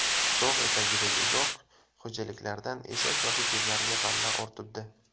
tog' etagidagi uzoq xo'jaliklardan eshak va ho'kizlarga g'alla ortibdi